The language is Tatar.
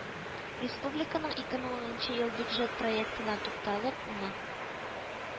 Республиканың ике мең унынчы ел бюджет проектына тукталып, Мэ